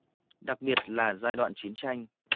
đặc biệt là giai đoạn chiến tranh